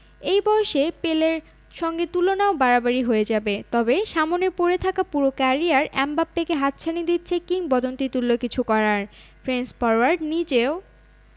এই বয়সের পেলের সঙ্গে তুলনাও বাড়াবাড়িই হয়ে যাবে তবে সামনে পড়ে থাকা পুরো ক্যারিয়ার এমবাপ্পেকে হাতছানি দিচ্ছে কিংবদন্তিতুল্য কিছু করার ফ্রেঞ্চ ফরোয়ার্ড নিজেও